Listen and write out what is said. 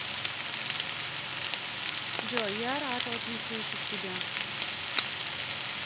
джой я рад очень слышать тебя